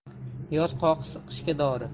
yoz qoqisi qishga dori